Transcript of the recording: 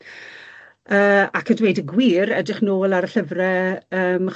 Yy ac a dweud y gwir, edrych nôl ar y llyfre yym